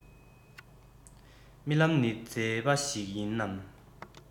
རྨི ལམ ནི མཛེས པ ཞིག ཡིན ནམ